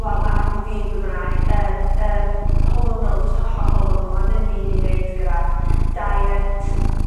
wel, ma' acne fi be' bynnag yn yym hormonal jyst hollol hormonal ma' ddim byd i neud gyda diet